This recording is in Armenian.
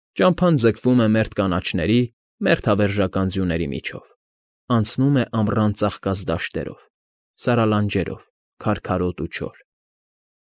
Ճամփան ձգվում է մերթ կանաչների, Մերթ հավերժական փյուների միջով, Անցնում է ամռան ծաղկած դաշտերով, Սարալանջերով՝ քարքարոտ ու չոր։